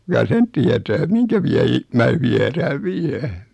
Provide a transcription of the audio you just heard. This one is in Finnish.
kuka sen tietää minkä vielä - minä viedään vielä